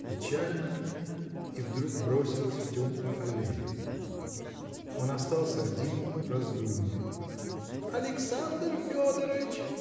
печально и вдруг бросилась в темную аллею. Он остался один в раздумье. – Александр Федорыч!